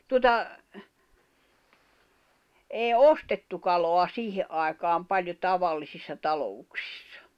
tuota ei ostettu kalaa siihen aikaan paljon tavallisissa talouksissa